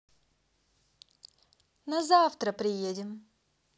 на завтра приедем